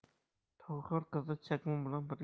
tohir qizni chakmon bilan